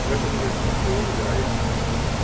В этом нет ничего невероятного.